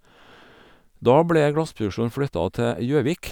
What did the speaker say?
Da ble glassproduksjonen flytta til Gjøvik.